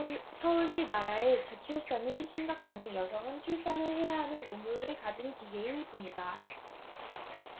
서울시나라의 저출산이 심각하니 여성은 출산을 해야 하는 의무를 가진 기계일 뿐이다